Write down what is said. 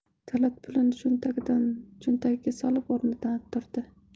talat pulni cho'ntagiga solib o'rnidan turdi